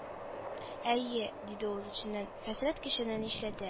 «әйе,— диде ул эченнән,—хәсрәт кешене нишләтә!»